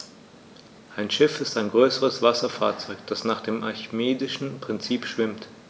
Ein Schiff ist ein größeres Wasserfahrzeug, das nach dem archimedischen Prinzip schwimmt.